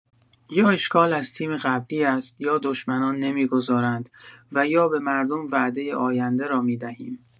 یا اشکال از تیم قبلی است، یا دشمنان نمی‌گذارند، و یا به مردم وعده آینده را می‌دهیم!